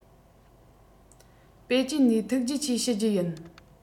པེ ཅིན ནས ཐུགས རྗེ ཆེ ཞུ རྒྱུ ཡིན